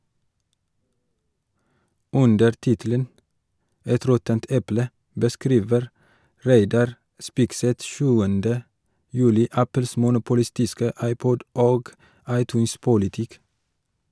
Under tittelen «Et råttent eple» beskriver Reidar Spigseth 7. juli Apples monopolistiske iPod- og iTunes-politikk.